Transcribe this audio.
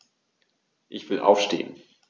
Ich will aufstehen.